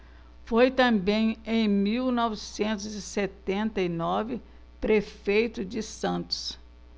foi também em mil novecentos e setenta e nove prefeito de santos